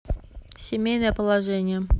семейное положение